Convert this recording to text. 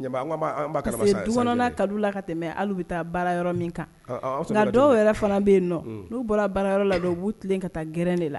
Ka tɛmɛ bɛ taa baara yɔrɔ min kan nka dɔw wɛrɛ fana bɛ yen bɔra baara yɔrɔ la b'u tilen ka taa g gɛlɛnɛrɛnen de la